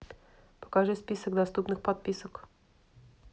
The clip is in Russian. покажи список доступных подписок